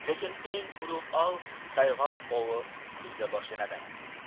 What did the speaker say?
lekin eng ulug' ov sayg'oq ovi kuzda boshlanadi